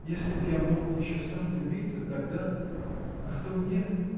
если б я мог еще сам влюбиться, тогда. а то нет.